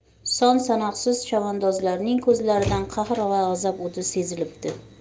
son sanoqsiz chavandozlarning ko'zlaridan qahr va g'azab o'ti sezilibdi